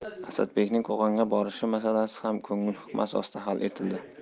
asadbekning qo'qonga borishi masalasi ham ko'ngil hukmi asosida hal etildi